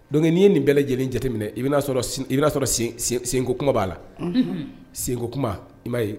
Don n'i ye nin bɛɛ lajɛlen jateminɛ i i'a sɔrɔko kuma b'a la se kuma i'a ye